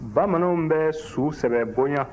bamananw bɛ su sɛbɛ bonya